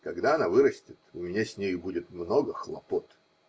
Когда она вырастет, у меня с нею будет много хлопот.